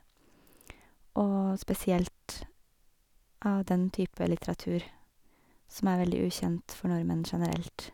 Og spesielt av den type litteratur, som er veldig ukjent for nordmenn generelt.